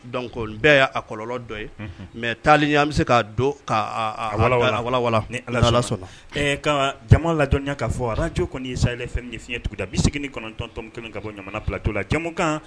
Don bɛɛ y'a a kɔlɔ dɔ ye mɛ taa an bɛ se ka don ka ni ala sɔnna ka jama ladɔnya'a fɔ a araj kɔni ye salen fɛn fiɲɛɲɛ tugun da bi segin ni kɔnɔntɔntɔn kelen ka bɔ jamanamana pto la jamukan